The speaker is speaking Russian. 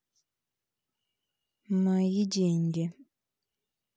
мои деньги